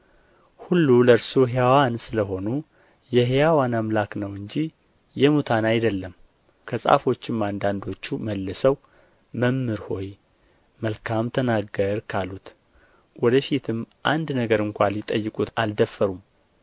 ሁሉ ለእርሱ ሕያዋን ስለ ሆኑ የሕያዋን አምላክ ነው እንጂ የሙታን አይደለም ከጻፎችም አንዳንዶቹ መልሰው መምህር ሆይ መልካም ተናገርህ አሉት ወደ ፊትም አንድ ነገር ስንኳ ሊጠይቁት አልደፈሩም